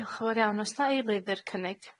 Diolch yn fowr iawn. O's 'na eilydd i'r cynnig?